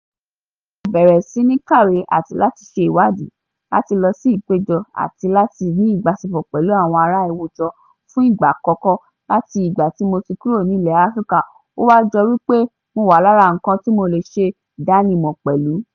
Mo bẹ̀rẹ̀ sì ní kàwé àti láti ṣe ìwádìí, láti lọ sí ìpéjọ àti láti ní ìbáṣepọ̀ pẹ̀lú àwọn ará àwùjọ fún ìgbà àkọ́kọ́ láti ìgbà tí mo ti kúrò ní ilẹ̀ Áfríkà, ó wá jọ wí pé mo wà lára nǹkan tí mo lè ṣe ìdánimọ̀ pẹ̀lú.